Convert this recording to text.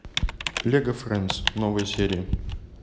лего фрэндс новые серии